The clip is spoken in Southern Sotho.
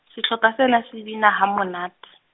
sehlopha seno se bina ha monate.